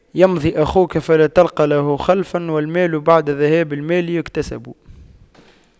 يمضي أخوك فلا تلقى له خلفا والمال بعد ذهاب المال يكتسب